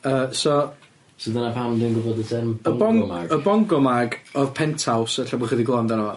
Yy so... So dyna pam dwi'n gwbod y term Bongo Mag. Y Bon- y Bongo Mag o'dd Penthouse ella bo' chi 'di clŵed amdano fo.